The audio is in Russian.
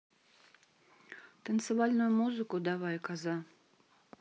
танцевальную музыку давай коза